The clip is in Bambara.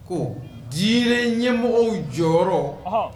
Ko di ɲɛmɔgɔ jɔyɔrɔ